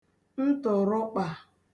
ntụ̀rụkpà